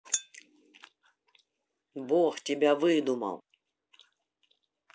бог тебя выдумал